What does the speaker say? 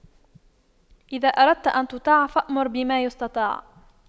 إذا أردت أن تطاع فأمر بما يستطاع